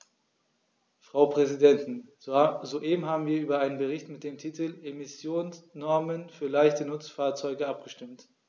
Frau Präsidentin, soeben haben wir über einen Bericht mit dem Titel "Emissionsnormen für leichte Nutzfahrzeuge" abgestimmt.